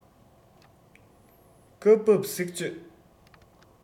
སྐབས བབས གསེག གཅོད